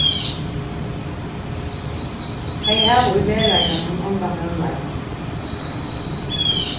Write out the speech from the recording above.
tey hava í veruleikanum ongan møguleika